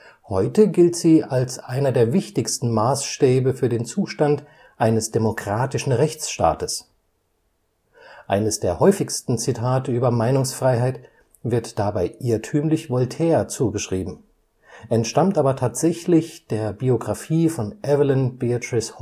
Heute gilt sie als einer der wichtigsten Maßstäbe für den Zustand eines demokratischen Rechtsstaates. Eines der häufigsten Zitate zur Meinungsfreiheit wird dabei irrtümlich Voltaire zugeschrieben, entstammt aber tatsächlich der Biographie von Evelyn Beatrice